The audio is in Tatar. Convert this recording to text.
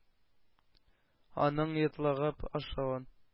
Аның йотлыгып ашавын,